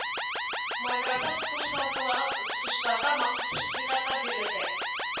Майкрософт курсларын тыңлаган укытучыларга махсус сертификатлар биреләчәк